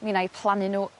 mi wnâi plannu n'w